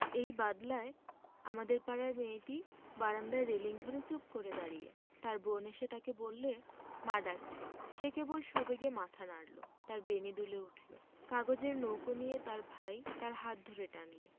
এই বাদলায় আমাদের পাড়ার মেয়েটি বারান্দায় রেলিঙ ধরে চুপ করে দাঁড়িয়ে তার বোন এসে তাকে বললে মা ডাকছে সে কেবল সবেগে মাথা নাড়ল তার বেণী দুলে উঠল কাগজের নৌকো নিয়ে তার ভাই তার হাত ধরে টানলে